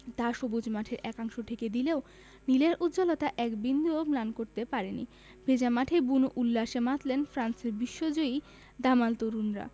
তা সবুজ মাঠের একাংশ ঢেকে দিলেও নীলের উজ্জ্বলতা এক বিন্দুও ম্লান করতে পারেনি ভেজা মাঠেই বুনো উল্লাসে মাতলেন ফ্রান্সের বিশ্বজয়ী দামাল তরুণরা